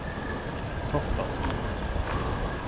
toftatún